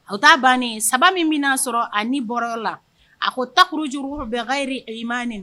O ta bannen saba min bɛnaa sɔrɔ a bɔrayɔrɔ la a ko takkurujuru bɛnkayi a manen